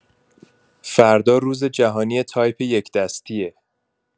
فردا روزجهانی تایپ یک دستیه.